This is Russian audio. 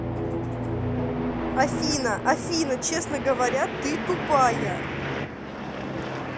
афина афина честно говоря ты тупая